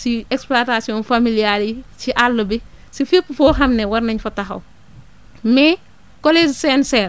si exploitation familiale yi si àll bi si fépp foo xam ne war nañ fa taxaw mais collège CNCR